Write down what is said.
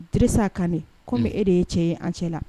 Disa kan di kɔmi e de ye cɛ ye an cɛ la